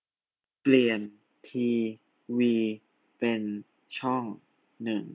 เปลี่ยนทีวีเป็นช่องหนึ่ง